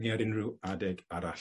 neu ar unryw adeg arall.